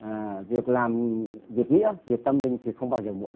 à việc làm việc nghĩa việc tâm linh thì không bao giờ muộn